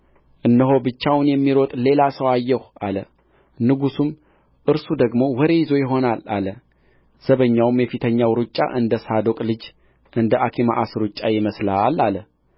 እነሆ ብቻውን የሚሮጥ ሌላ ሰው አየሁ አለ ንጉሡም እርሱ ደግሞ ወሬ ይዞ ይሆናል አለ ዘበኛውም የፊተኛው ሩጫ እንደ ሳዶቅ ልጅ እንደ አኪማአስ ሩጫ ይመስላል አለ